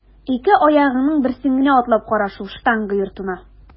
Ике аягыңның берсен генә атлап кара шул штанга йортына!